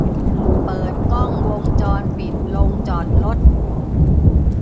เปิดกล้องวงจรปิดโรงจอดรถ